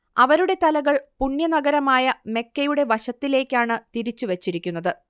അവരുടെ തലകൾ പുണ്യ നഗരമായ മെക്കയുടെ വശത്തിലേക്കാണ് തിരിച്ചു വച്ചിരിക്കുന്നത്